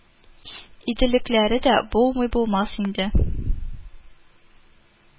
Иделекләре дә булмый булмас инде